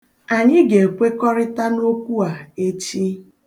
Anyị ga-ekwekọrịta n'okwu a echi.